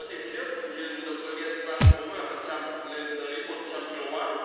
vẫn như chiếc nhưng động cơ điện tăng bốn mươi phần trăm lên tới một trăm ki lô oát